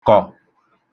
kọ̀